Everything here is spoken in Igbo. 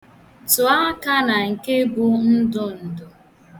Tụọ aka na nke bụ ndụndụ.